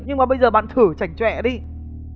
nhưng mà bây giờ bạn thử chảnh chọe đi